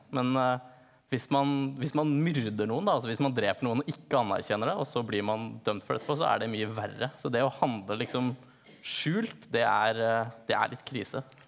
men hvis man hvis man myrder noen da, altså hvis man dreper noen og ikke anerkjenner det og så blir man dømt for det etterpå så er det mye verre, så det å handle liksom skjult det er det er litt krise.